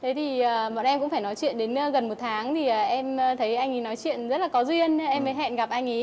thế thì ờ bọn em cũng phải nói chuyện đến gần một tháng thì em thấy anh ý nói chuyện rất là có duyên nên em mới hẹn gặp anh ý